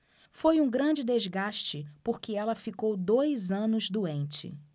foi um grande desgaste porque ela ficou dois anos doente